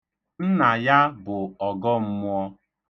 Nna ya bụ ọgọmmụọ.